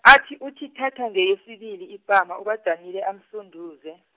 athi uthi thatha ngeyesibili ipama uBadanile amsunduze.